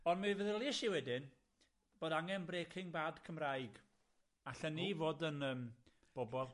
on' mi feddyliais i wedyn bod angen Breaking Bad Cymraeg, allan ni i fod yn yym bobol